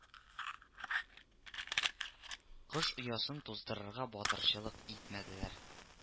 Кош оясын туздырырга батырчылык итмәделәр